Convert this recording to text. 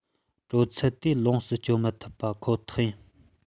དྲོད ཚད དེ ལོངས སུ སྤྱོད མི ཐུབ པ ཁོ ཐག ཡིན